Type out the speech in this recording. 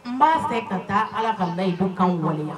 N b'a fɛ ka taa Ala ka layidukanw waleya